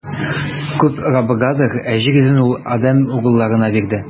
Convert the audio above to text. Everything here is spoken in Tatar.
Күк - Раббыгадыр, ә җир йөзен Ул адәм угылларына бирде.